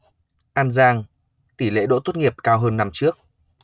an giang tỷ lệ đỗ tốt nghiệp cao hơn năm trước